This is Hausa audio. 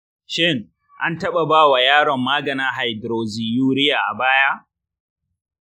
shin an taɓa bawa yaron maganin hydroxyurea a baya?